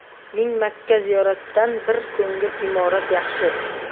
ming makka ziyoratdan bir ko'ngil imorat yaxshi